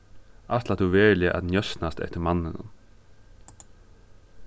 ætlar tú veruliga at njósnast eftir manninum